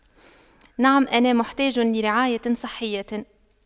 نعم انا محتاج لرعاية صحية